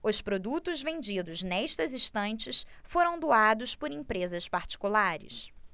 os produtos vendidos nestas estantes foram doados por empresas particulares